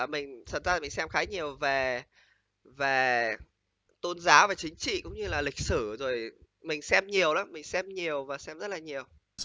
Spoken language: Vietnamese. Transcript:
mình thật ra mình xem khá nhiều về về tôn giáo và chính trị cũng như là lịch sử rồi mình xem nhiều lắm mình xem nhiều và xem rất là nhiều